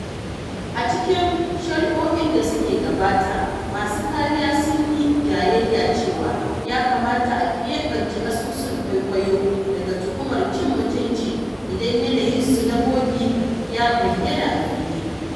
A cikin shari'o'in da suka gabata, masu kariya sun yi jayayya cewa ya kamata a keɓance asusun kwaikwayo daga tuhumar cin mutunci idan yanayinsu na bogi ya bayya a fili.